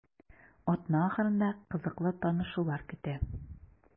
Атна ахырында кызыклы танышулар көтә.